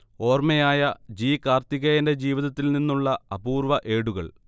ഓർമയായ G. കാർത്തികേയന്റെ ജീവിതത്തിൽ നിന്നുള്ള അപൂർവ്വഏടുകൾ